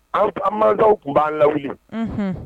An fa ma dɔw tun b'an la ye